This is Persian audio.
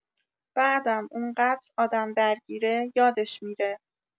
بعدم اونقدر آدم درگیره، یادش می‌ره.